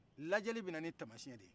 lajɛli bɛ nani tamasiɛn de ye